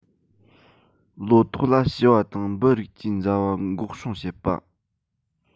ལོ ཏོག ལ བྱི བ དང འབུ རིགས ཀྱིས འཛའ བ འགོག སྲུང བྱེད པ